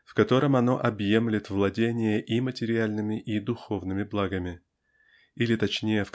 в котором оно объемлет владение и материальными и духовными благами или точнее